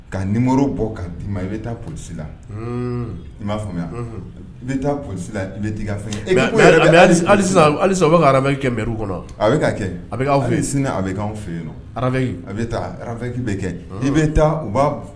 Ka ni bɔ' d dii ma i bɛ taa psi la i b'a faamuya i bɛ taa psi i bɛ ka fɛn kɛ alisa bɛ ka ara kɛ mɛ kɔnɔ a bɛ kɛ a bɛ aw fɛ yen sin a bɛ kan fɛ yen ara a bɛ taa arafeki bɛ kɛ i bɛ taa u b'a